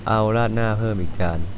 เอาราดหน้าเพิ่มอีกจาน